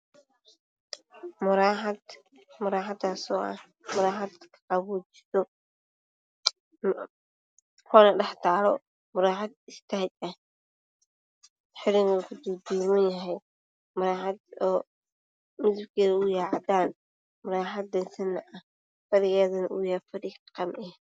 Waa marawaxad ah qaboojiso oo xarig kuduuban yahay, midabkeedu waa cadaan, fadhigeeda waa qalin.